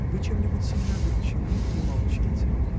вы чем-нибудь сильно огорчены и молчите.